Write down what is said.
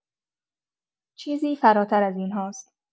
چیزی فراتر از اینهاست.